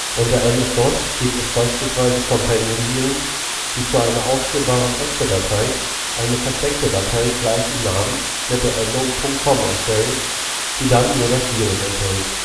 Unter MS-DOS gibt es beispielsweise Companion-Viren, die zu einer ausführbaren EXE-Datei eine versteckte Datei gleichen Namens mit der Endung „. com “erstellen, die dann nur das Virus enthält